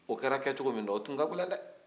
o kɛra kɛcogo min na o tun ka gɛlɛn dɛ